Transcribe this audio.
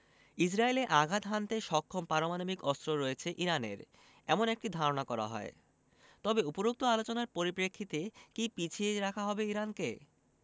ইসরায়েলে আঘাত হানতে সক্ষম পারমাণবিক অস্ত্র রয়েছে ইরানের এমন একটি ধারণা করা হয় তবে উপরোক্ত আলোচনার পরিপ্রেক্ষিতে কি পিছিয়ে রাখা হবে ইরানকে